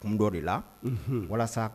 Dɔ de la walasa